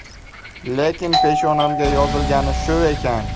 lekin peshonamga yozilgani shu ekan